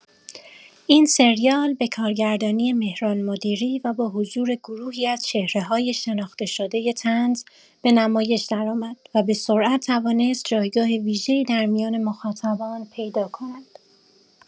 این سریال به کارگردانی مهران مدیری و با حضور گروهی از چهره‌های شناخته شده طنز به نمایش درآمد و به‌سرعت توانست جایگاه ویژه‌ای در میان مخاطبان پیدا کند.